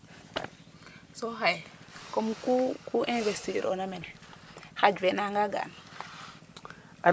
soo xaye ku investir oona mene xaj fa nanga ga'an ?